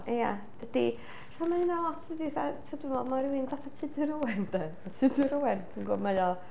Ia, dydy fatha ma' hynna lot dydy fatha... ti'n gwbod be dwi'n feddwl, ma' rywun fatha Tudur Owen de, mae Tudur Owen dwi'n yn gwbod mae o...